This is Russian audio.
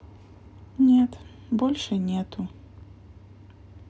нет больше нету